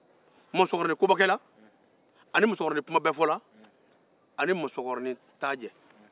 musokɔrɔninkobakɛla ani musokɔrɔbanninkumabɛfɔla ani musokɔrɔninntajɛ